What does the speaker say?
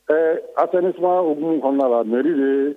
Ɛɛ a tɛ ni sumaunu kɔnɔna la mɛri de